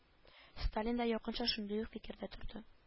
Сталин да якынча шундый ук фикердә торды